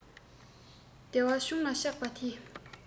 བདེ བ ཆུང ལ ཆགས པ དེས